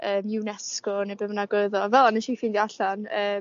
yym iw nes go neu be bynnag oedd o fel'a nesi ffeindio allan yym